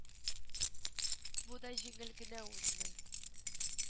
Бу да җиңел генә узмый